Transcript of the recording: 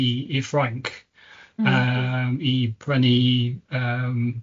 i i'r Ffrainc yym, i prynu yym